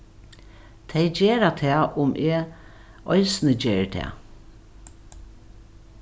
tey gera tað um eg eisini geri tað